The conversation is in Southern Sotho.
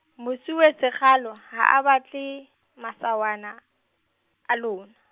mosuwe Sekgalo, ha a batle, masawana, a lona.